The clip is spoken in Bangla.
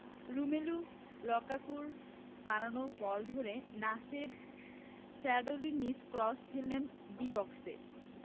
রোমেলু লুকাকুর বাড়ানো বল ধরে নাসের চ্যাডলি নিচু ক্রস ফেলেন ডি বক্সে